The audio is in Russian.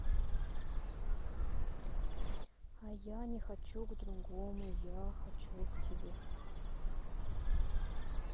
а я не хочу к другому я хочу к тебе